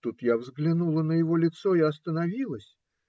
Тут я взглянула на его лицо и остановилась.